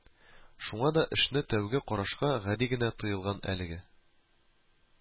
Шуңа да эшне тәүге карашка гади генә тоелган әлеге